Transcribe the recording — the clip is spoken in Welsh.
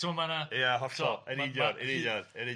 ti'bod ma' 'na... Ia hollol yn union yn union yn union...